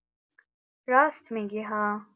راست می‌گی ها